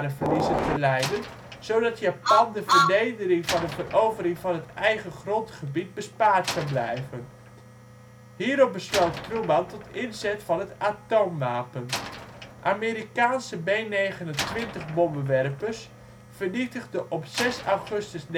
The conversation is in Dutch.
verliezen te lijden, zodat Japan de vernedering van een verovering van het eigen grondgebied bespaard zou blijven. Hierop besloot Truman tot inzet van het atoomwapen. Amerikaanse B-29 bommenwerpers vernietigden op zes augustus